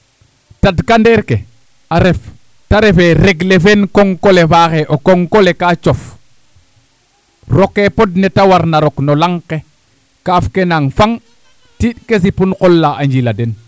tadkandeer ke a ref ta ref ee regler feen koŋko le faaxee o koŋko le kaa cof rokee pod ne te warna rok no lang ke kaaf ke naan faŋ tiiƭ ke sipun qol la a njilaa den